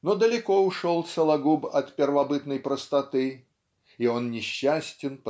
Но далеко ушел Сологуб от первобытной простоты и он несчастен